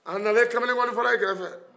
a nana se kamalen ŋonifɔla in kɛrɛfɛ